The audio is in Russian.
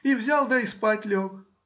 И взял да и спать лег